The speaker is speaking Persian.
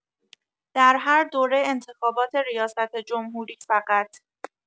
در هر دوره انتخابات ریاست‌جمهوری فقط